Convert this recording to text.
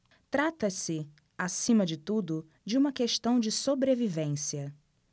trata-se acima de tudo de uma questão de sobrevivência